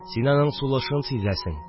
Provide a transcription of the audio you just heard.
Син аның сулышын сизәсең